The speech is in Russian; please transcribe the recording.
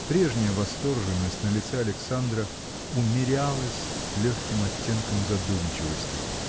Прежняя восторженность на лице Александра умерялась легким оттенком задумчивости